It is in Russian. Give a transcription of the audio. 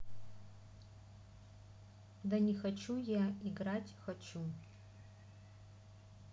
да не хочу я играть хочу